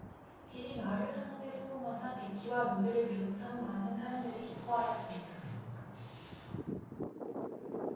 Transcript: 빌이 말을 하는 데 성공하자 빅키와 로즈를 비롯한 많은 사람들이 기뻐하였습니다